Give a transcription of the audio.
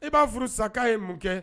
I b'a furu sa' ye mun kɛ